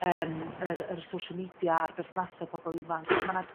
yrm yr yr social media ar berthnasa' bobol ifanc a ma' 'na